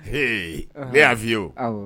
Hee ne y'a fɔ i ye o